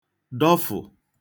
dọfụ̀